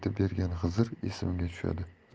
aytib bergan xizr esimga tushadi